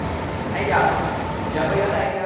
hay giờ giờ my ở đây